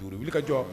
Juruurubili ka jɔ